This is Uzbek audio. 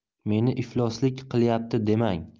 meni ifloslik qilyapti demang